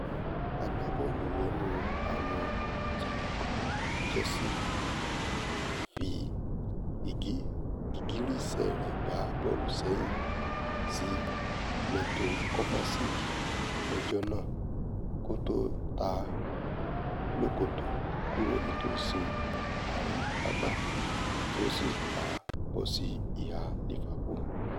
Agbábọ́ọ̀lùwọnú-àwọ̀n ti ikọ̀ Chealse fi gìgìrísẹ̀ rẹ̀ gbá bọ́ọ̀lu sẹ́yìn sí Mateo Kovacic lọ́jọ́ náà, kí ó tó ta á lóókòtó kúrò nítòsí ààrín pápá tí ó sì ta á bọ̀ùn sí ìhà Liverpool.